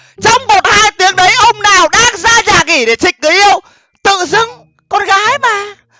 trong một hai tiếng đấy ông nào đang ra nhà nghỉ để chịch người yêu tự dưng con gái mà